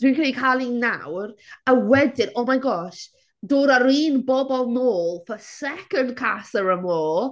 Dwi'n credu cael un nawr a wedyn, oh my gosh, dod â'r un bobl nôl for second Casa Amor.